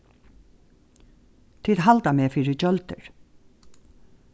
tit halda meg fyri gjøldur